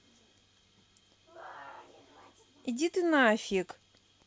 иди ты нафиг